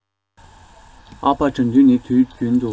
ཨ ཕ དགྲ འདུལ ནི དུས རྒྱུན དུ